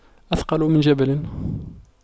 أثقل من جبل